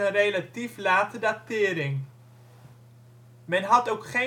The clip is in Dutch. relatief late datering. Men had ook geen